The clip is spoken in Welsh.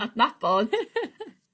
...adnabod.